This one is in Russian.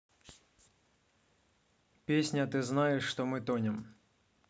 песня ты знаешь что мы тонем